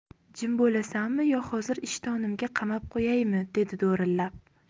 jim bo'lasanmi yo hozir ishtonimga qamab qo'yaymi dedi do'rillab